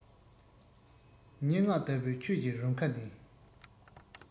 སྙན ངག ལྟ བུའི ཁྱོད ཀྱི རུམ ཁ ནས